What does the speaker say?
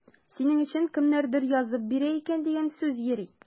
Синең өчен кемнәрдер язып бирә икән дигән сүз йөри.